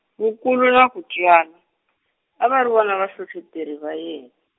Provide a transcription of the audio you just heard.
Vukulu na Kutwala , a va ri vona vahlohloteri va yena.